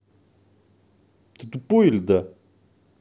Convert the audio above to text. ты тупой или да